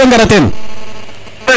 mais rewe ngara ten